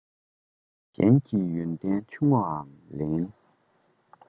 གཞན གྱི ཡོན ཏན ཆུང ངུའང ལེན